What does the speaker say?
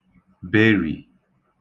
berì